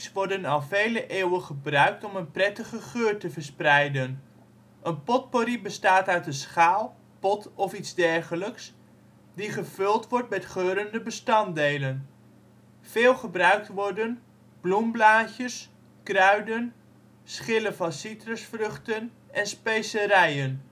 worden al vele eeuwen gebruikt om een prettige geur te verspreiden. Een potpourri bestaat uit een schaal, pot of iets dergelijks die gevuld wordt met geurende bestanddelen. Veel gebruikt worden: Bloemblaadjes Kruiden Schillen van citrusvruchten Specerijen